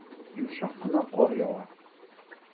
Йомшак кына кар ява.